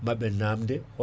maɓe namde hol